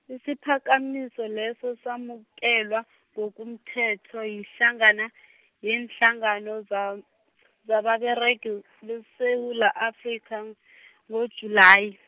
isiphakamiso leso samukelwa ngokomthetho yihlangano , yeenhlangano za- zababeregi ngeSewula Afrika , ngoJulayi.